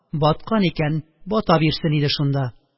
Баткан икән бата бирсен иде шунда.